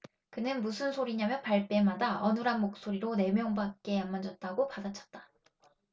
그는 무슨 소리냐며 발뺌하다 어눌한 목소리로 네 명밖에 안 만졌다고 받아쳤다